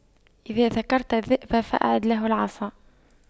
إذا ذكرت الذئب فأعد له العصا